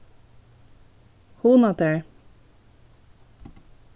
hugna tær